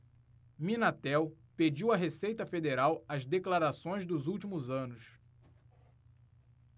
minatel pediu à receita federal as declarações dos últimos anos